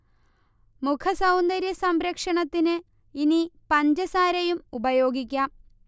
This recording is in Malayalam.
മുഖ സൗന്ദര്യ സംരക്ഷണത്തിന് ഇനി പഞ്ചസാരയും ഉപയോഗിക്കാം